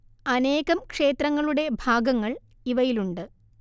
അനേകം ക്ഷേത്രങ്ങളുടെ ഭാഗങ്ങൾ ഇവയിലുണ്ട്